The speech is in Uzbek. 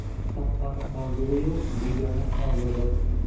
qoqqani qozig'i yo'q yegani ozig'i